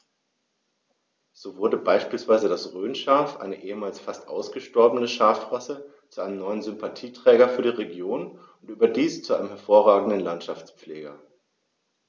So wurde beispielsweise das Rhönschaf, eine ehemals fast ausgestorbene Schafrasse, zu einem neuen Sympathieträger für die Region – und überdies zu einem hervorragenden Landschaftspfleger.